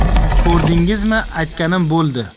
ko'rdingizmi aytganim bo'ldi